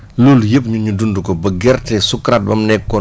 loolu yëpp ñun ñu dund ko ba gerte sukuraat ba mu nekkoon